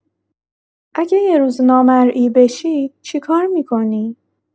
اگه یه روز نامرئی بشی، چیکار می‌کنی؟